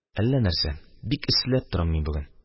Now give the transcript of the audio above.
Әллә нәрсә, бик эсселәп торам мин бүген.